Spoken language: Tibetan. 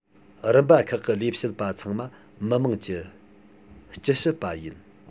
རིམ པ ཁག གི ལས བྱེད པ ཚང མ མི དམངས ཀྱི སྤྱི ཞབས པ ཡིན